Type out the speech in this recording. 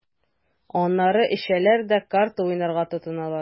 Аннары эчәләр дә карта уйнарга тотыналар.